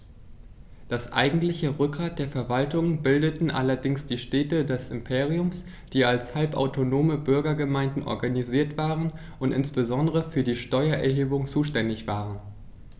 Das eigentliche Rückgrat der Verwaltung bildeten allerdings die Städte des Imperiums, die als halbautonome Bürgergemeinden organisiert waren und insbesondere für die Steuererhebung zuständig waren.